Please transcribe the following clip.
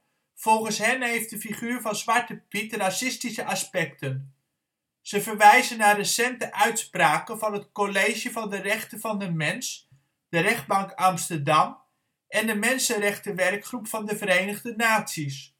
volgens hen heeft de figuur van Zwarte Piet racistische aspecten. Ze verwijzen naar recente uitspraken van het College van de Rechten van de Mens, de Rechtbank Amsterdam en de mensenrechtenwerkgroep van de Verenigde Naties